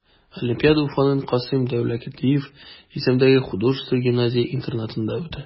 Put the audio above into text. Олимпиада Уфаның Касыйм Дәүләткилдиев исемендәге художество гимназия-интернатында үтә.